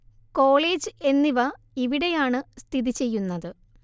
college എന്നിവ ഇവിടെയാണ് സ്ഥിതി ചെയ്യുന്നത്